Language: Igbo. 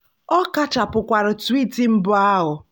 Ọ kachapụkwara twiiti mbụ ahụ.